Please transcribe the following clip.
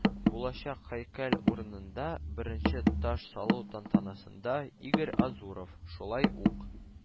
Булачак һәйкәл урынына беренче таш салу тантанасында Игорь Азуров, шулай ук